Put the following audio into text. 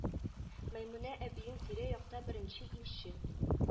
Мәймүнә әбиең тирә-якта беренче имче